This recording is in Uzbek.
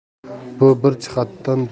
bu bir jihatdan